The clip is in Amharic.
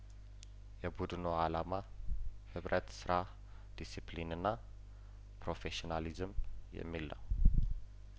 የቡድኑ አላማ ህብረት ስራ ዲስፕሊንና ፕሮ ፌሽና ሊዝም የሚል ነው